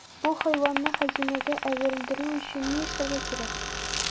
Бу хайванны хәзинәгә әверелдерү өчен ни эшләргә кирәк?